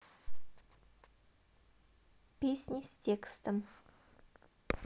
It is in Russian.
песни с текстом